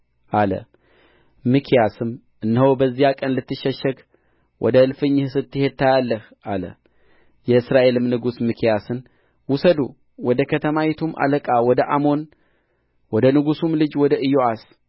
አለ ሚክያስም እነሆ በዚያ ቀን ልትሸሸግ ወደ እልፍኝህ ስትሄድ ታያለህ አለ የእስራኤልም ንጉሥ ሚክያስን ውሰዱ ወደ ከተማይቱም አለቃ ወደ አሞን ወደ ንጉሡም ልጅ ወደ ኢዮአስ